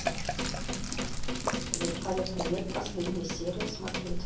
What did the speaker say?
великолепный век последняя серия смотреть